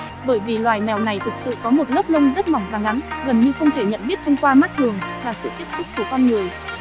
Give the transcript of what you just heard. bởi vì loài mèo này thực sự có một lớp lông rất mỏng và ngắn gần như không thể nhận biết thông qua mắt thường và sự tiếp xúc của con người